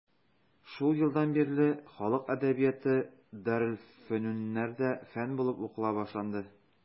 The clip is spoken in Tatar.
Шул елдан бирле халык әдәбияты дарелфөнүннәрдә фән булып укыла башланды.